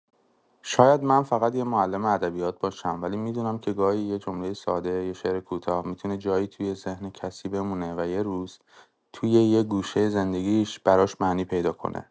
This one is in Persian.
شاید من فقط یه معلم ادبیات باشم، ولی می‌دونم که گاهی، یه جملۀ ساده، یه شعر کوتاه، می‌تونه جایی توی ذهن کسی بمونه و یه روز، توی یه گوشۀ زندگی‌ش، براش معنی پیدا کنه.